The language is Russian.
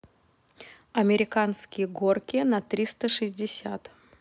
американские горки на триста шестьдесят